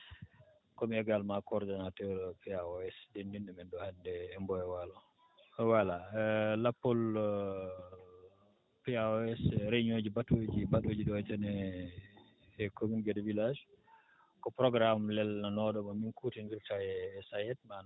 ko mi également coordonnateur POAS denndinɗo men ɗo hannde e Mboyo waalo voilà lappol POAS réunion ji batuuji baɗooji ɗo keene e commune Guédé village ko programme lelnanooɗo mo min kuutonndirta e SAE E SAED